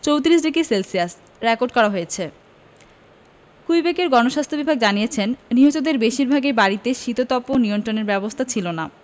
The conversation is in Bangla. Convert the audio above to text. ৩৪ ডিগ্রি সেলসিয়াস রেকর্ড করা হয়েছে কুইবেকের গণস্বাস্থ্য বিভাগ জানিয়েছে নিহতদের বেশিরভাগের বাড়িতে শীতাতপ নিয়ন্ত্রণের ব্যবস্থা ছিল না